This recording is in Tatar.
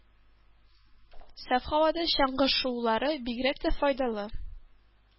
Саф һавада чаңгы шуулары бигрәк тә файдалы.